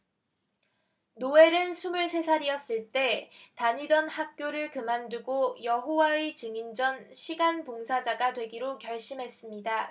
노엘은 스물세 살이었을 때 다니던 학교를 그만두고 여호와의 증인 전 시간 봉사자가 되기로 결심했습니다